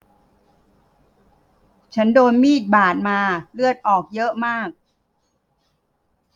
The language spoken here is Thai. ฉันโดนมีดบาดมาเลือดออกเยอะมาก